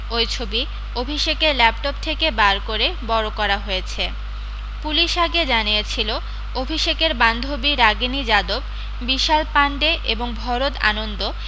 ওই ছবি অভিষেকের ল্যাপটপ থেকে বার করে বড় করা হয়েছে পুলিশ আগে জানিয়েছিল অভিষেকের বান্ধবি রাগিনী যাদব বিশাল পাণ্ডে এবং ভরত আনন্দ